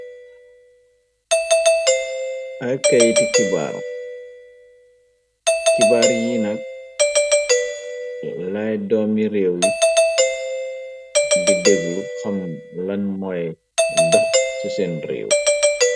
Ay kayetu kibaar, kibaar yi nak ley doomi rèew yi, di dèglu ham lan moy doh ci senn rèew.